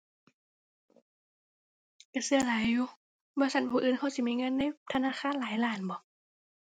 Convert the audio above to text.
ก็ก็หลายอยู่ บ่ซั้นผู้อื่นเขาสิมีเงินในธนาคารหลายล้านบ่